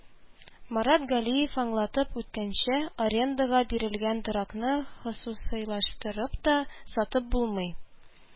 Марат Галиев аңлатып үткәнчә, арендага бирелгән торакны хосусыйлаштырып та, сатып булмый